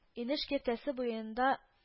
Инеш киртәсе буенда